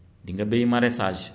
di nga bay marichage